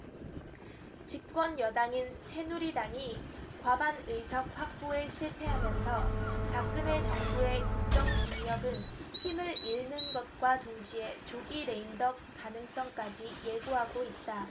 집권여당인 새누리당이 과반의석 확보에 실패하면서 박근혜 정부의 국정 동력은 힘을 잃는 것과 동시에 조기 레임덕 가능성까지 예고하고 있다